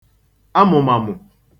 amụ̀màmụ̀